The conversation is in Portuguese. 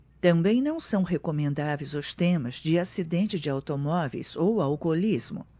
também não são recomendáveis os temas de acidentes de automóveis ou alcoolismo